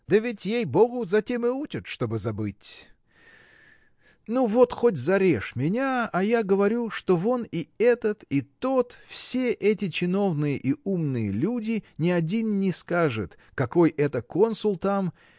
Да ведь, ей-богу, затем и учат, чтобы забыть. Ну вот хоть зарежь меня а я говорю что вон и этот и тот все эти чиновные и умные люди ни один не скажет какой это консул там.